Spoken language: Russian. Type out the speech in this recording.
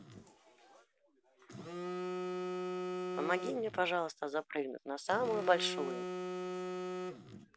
помоги мне пожалуйста запрыгнуть на самую большую